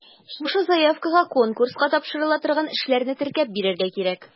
Шушы заявкага конкурска тапшырыла торган эшләрне теркәп бирергә кирәк.